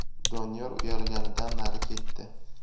doniyor uyalganidan nari ketdi